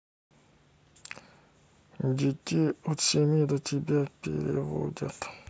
детей от семи до тебе переводят